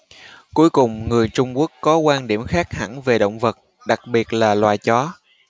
cuối cùng người trung quốc có quan điểm khác hẳn về động vật đặc biệt là loài chó